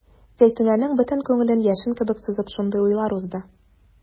Зәйтүнәнең бөтен күңелен яшен кебек сызып шундый уйлар узды.